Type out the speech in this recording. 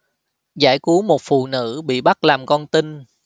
giải cứu một phụ nữ bị bắt làm con tin